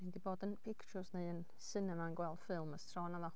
Dan ni'm 'di bod yn pictwrs neu yn sinema yn gweld ffilm ers tro naddo.